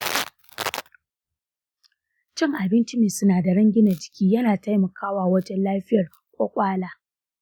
cin abinci mai sinadiran gina jiki yana taimaka wa wajan lafiyar ƙwaƙwala.